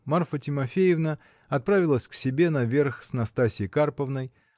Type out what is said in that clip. Марфа Тимофеевна отправилась к себе наверх с Настасьей Карповной